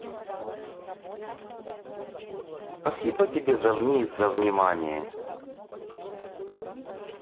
спасибо тебе за вниз за внимание